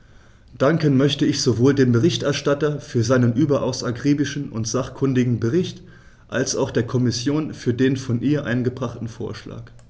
Danken möchte ich sowohl dem Berichterstatter für seinen überaus akribischen und sachkundigen Bericht als auch der Kommission für den von ihr eingebrachten Vorschlag.